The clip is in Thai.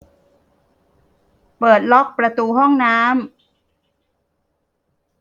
เปิดล็อกประตูห้องน้ำ